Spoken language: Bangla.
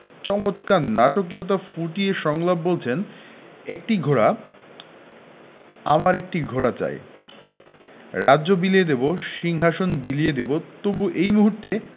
চমৎকার নাটকীয়তা ফুটিয়ে সংলাপ বলছেন একটি ঘোড়া আমার একটি ঘোড়া চাই রাজ্য বিলিয়ে দেবো সিংহাশন বিলিয়ে দেবো তবু এই মুহূর্তে